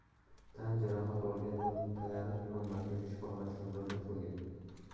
tan jarohati olgan va payariq tuman markaziy shifoxonasiga murojaat qilgan